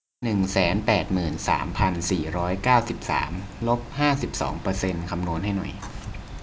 หนึ่งแสนแปดหมื่นสามพันสี่ร้อยเก้าสิบสามลบห้าสิบสองเปอร์เซนต์คำนวณให้หน่อย